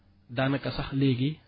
daanaaka sax léegi